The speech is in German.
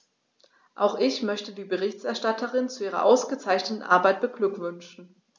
Auch ich möchte die Berichterstatterin zu ihrer ausgezeichneten Arbeit beglückwünschen.